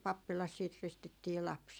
pappilassa sitten ristittiin lapsi